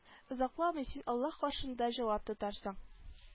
Озакламый син аллаһ каршысында җавап тотарсың